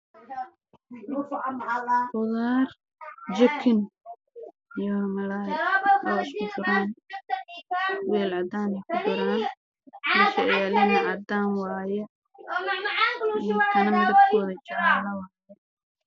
Qudaar, jikin iyo malaay isku jiraan weel cadaan ah ayeey ku jiraan